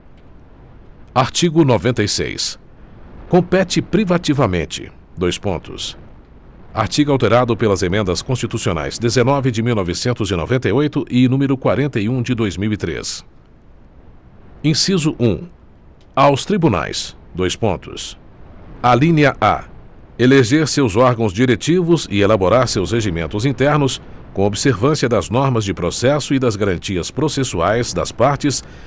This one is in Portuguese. artigo noventa e seis compete privativamente dois pontos artigo alterado pelas emendas constitucionais dezenove de mil novecentos e noventa e oito e número quarenta e um de dois mil e três inciso um aos tribunais dois pontos alínea a eleger seus órgãos diretivos e elaborar seus regimentos internos com observância das normas de processo e das garantias processuais das partes